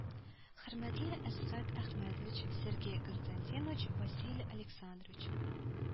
“хөрмәтле әсгать әхмәтович, сергей константинович, василий александрович